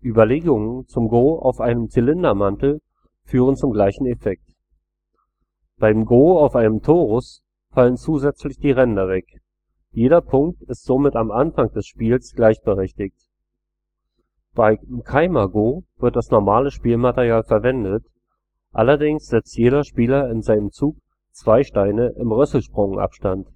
Überlegungen zum Go auf einem Zylindermantel führen zum gleichen Effekt. Beim Go auf einem Torus fallen zusätzlich die Ränder weg. Jeder Punkt ist somit am Anfang des Spiels gleichberechtigt. Beim Keima-Go wird das normale Spielmaterial verwendet. Allerdings setzt jeder Spieler in seinem Zug zwei Steine im Rösselsprung-Abstand